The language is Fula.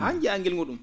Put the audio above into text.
haa njiyaa ngilngu ?um